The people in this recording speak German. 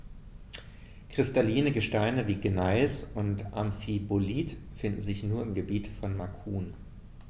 Kristalline Gesteine wie Gneis oder Amphibolit finden sich nur im Gebiet von Macun.